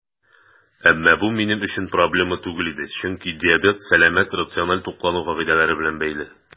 Әмма бу минем өчен проблема түгел иде, чөнки диабет сәламәт, рациональ туклану кагыйдәләре белән бәйле.